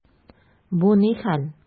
Бу ни хәл!